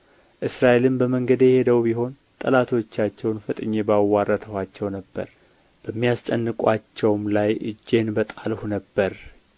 እስራኤልም በመንገዴ ሄደው ቢሆን ጠላቶቻቸውን ፈጥኜ ባዋረድኋቸው ነበር በሚያስጨንቋቸውም ላይ እጄን በጣልሁ ነበር